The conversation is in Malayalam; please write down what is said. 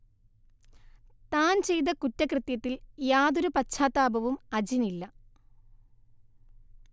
താൻ ചെയ്ത കുറ്റകൃത്യത്തിൽ യാതൊരു പശ്ചാത്താപവും അജിനില്ല